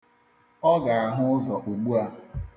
Ọ ga-ahụ ụzọ ugbua.